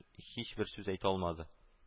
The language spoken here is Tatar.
Һичбер сүз әйтә алмады